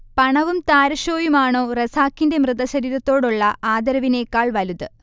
പണവും താരഷോയുമാണൊ റസാഖിന്റെ മൃതശരീരത്തോടുള്ള ആദരവിനെക്കാൾ വലുത്